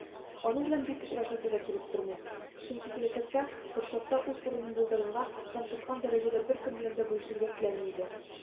Аның белән бик очрашасы да килеп тормый, чөнки киләчәктә Форшадтта үз урынын булдырырга һәм тоткан дәрәҗәсен беркем белән дә бүлешергә теләми иде